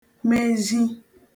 mezhi